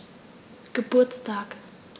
Geburtstag